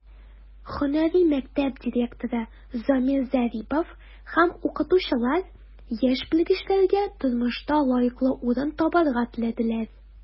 Һөнәри мәктәп директоры Замир Зарипов һәм укытучылар яшь белгечләргә тормышта лаеклы урын табарга теләделәр.